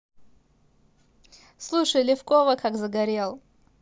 слушай левкова как загорел